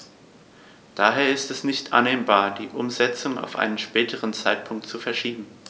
Daher ist es nicht annehmbar, die Umsetzung auf einen späteren Zeitpunkt zu verschieben.